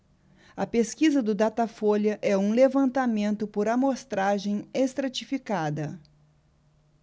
a pesquisa do datafolha é um levantamento por amostragem estratificada